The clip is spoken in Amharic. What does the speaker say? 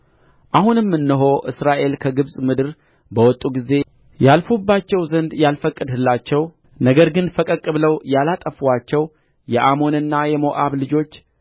አሁንም እነሆ እስራኤል ከግብጽ ምድር በወጡ ጊዜ ያልፉባቸው ዘንድ ያልፈቀድህላቸው ነገር ግን ፈቀቅ ብለው ያላጠፉአቸው የአሞንና የሞዓብ ልጆች